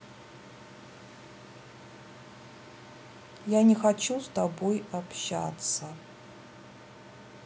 я не хочу с тобой общаться